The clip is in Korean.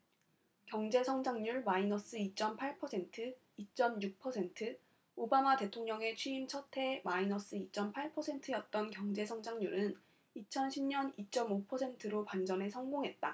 경제성장률 마이너스 이 쩜 팔 퍼센트 이 쩜 육 퍼센트 오바마 대통령의 취임 첫해 마이너스 이 쩜 팔 퍼센트였던 경제 성장률은 이천 십 년 이 쩜 오 퍼센트로 반전에 성공했다